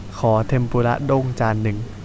ขอเทมปุระด้งจานหนึ่ง